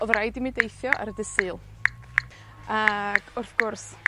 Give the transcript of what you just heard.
odd raid i mi deithio ar y dydd Sul. Ag wrth gwrs,